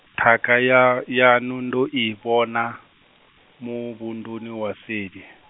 thakha ya yaṋu ndo i vhona, muvhunduni wa seli.